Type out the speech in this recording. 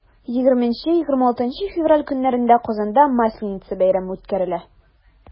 20-26 февраль көннәрендә казанда масленица бәйрәме үткәрелә.